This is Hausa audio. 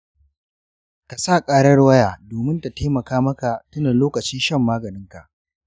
ka sa ƙarar waya domin ta taimaka maka tuna lokacin shan maganinka.